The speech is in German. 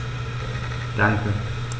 Danke.